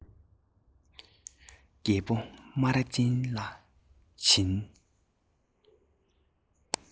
རྒད པོ སྨ ར ཅན ལ བྱིན